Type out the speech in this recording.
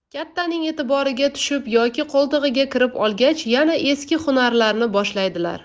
kattaning e'tiboriga tushib yoki qo'ltig'iga kirib olgach yana eski hunarlarini boshlaydilar